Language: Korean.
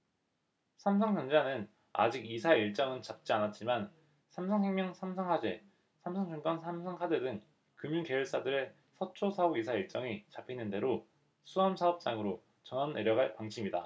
삼성전자는 아직 이사 일정은 잡지 않았지만 삼성생명 삼성화재 삼성증권 삼성카드 등 금융계열사들의 서초 사옥 이사 일정이 잡히는 대로 수원사업장으로 전원 내려갈 방침이다